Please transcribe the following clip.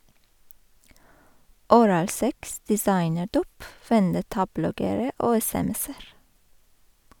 Oralsex, designerdop , vendettabloggere og sms-er.